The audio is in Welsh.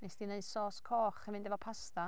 Wnes ti wneud sos coch i mynd efo pasta.